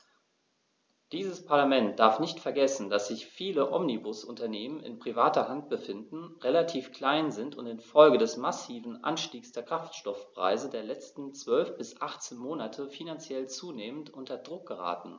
Dieses Parlament darf nicht vergessen, dass sich viele Omnibusunternehmen in privater Hand befinden, relativ klein sind und in Folge des massiven Anstiegs der Kraftstoffpreise der letzten 12 bis 18 Monate finanziell zunehmend unter Druck geraten.